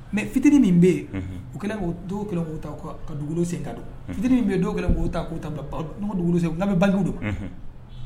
Mais fitini min bɛ yen. Unhun! u kɛ la ko , dɔw kɛ la ko ta ka ka dugukolo san ka don,. Unhun! fitini min bɛ yen dɔw kɛ la k'o ta ta ɲɔgɔn ka dugukolo san, n kan bɛ banque de man.